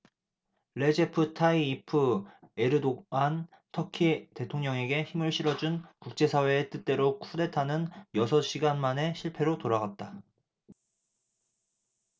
레제프 타이이프 에르도안 터키 대통령에게 힘을 실어준 국제사회의 뜻대로 쿠데타는 여섯 시간 만에 실패로 돌아갔다